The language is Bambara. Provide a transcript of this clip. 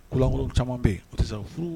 Kolonlankɔrɔ caman bɛ yen o tɛ se furu